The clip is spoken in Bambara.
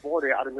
De ye